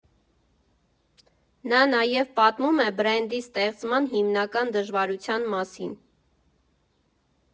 Նա նաև պատմում է բրենդի ստեղծման հիմնական դժվարության մասին.